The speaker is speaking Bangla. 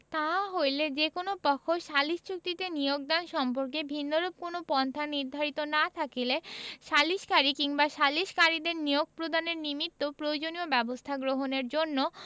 তাহা হইলে যে কোন পক্ষ সালিস চুক্তিতে নিয়োগদান সম্পর্কে ভিন্নরূপ কোন পন্থা নির্ধারিত না থাকিলে সালিসকারী কিংবা সালিসকারীদের নিয়োগ প্রদানের নিমিত্ত প্রয়োজনীয় ব্যবস্থা গ্রহণের জন্য